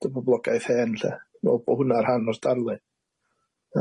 dy boblogaeth hen lly me'l bo hwnna'n rhan o'r darlun.